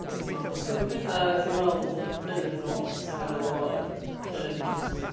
os ti'n meddwl bod fatha petha ti'n weld yn y nos ar y lôn yn jyst...